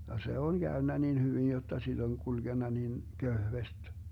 ja se on käynyt niin hyvin jotta sitä on kulkenut niin kevyesti